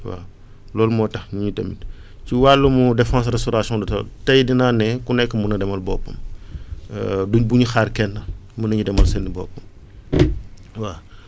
waaw loolu moo tax ñun itamit ci wàllum défense restauration de terre tey dinaa ne ku nekk mun na demal boppam duñ bu ñu xaar kenn mun nañu demal seen i bopp waa